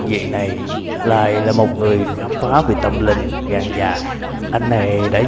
lại là một người khám phá về tâm linh gan dạ anh này đã dám một thân một mình đến